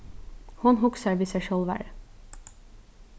hon hugsar við sær sjálvari